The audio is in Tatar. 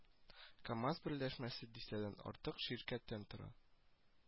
КамАЗ берләшмәсе дистәдән артык ширкәттән тора